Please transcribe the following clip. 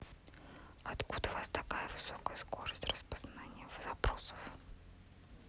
откуда у вас такая высокая скорость распознавания запросов